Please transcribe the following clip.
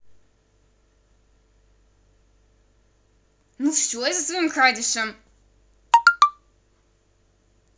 ну все я со своим кадешем